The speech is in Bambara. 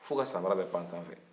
f'u ka samara bɛ pan sanfɛ